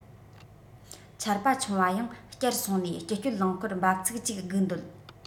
ཆར པ ཆུང བ ཡང བསྐྱར སོང ནས སྤྱི སྤྱོད རླངས འཁོར འབབ ཚུགས གཅིག སྒུག འདོད